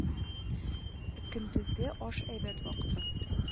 Көндезге аш әйбәт вакыты